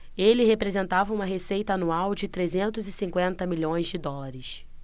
ele representava uma receita anual de trezentos e cinquenta milhões de dólares